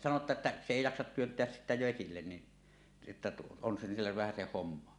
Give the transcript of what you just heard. sanoi että se ei jaksa työntää sitä vesille niin että on sille vähäsen hommaa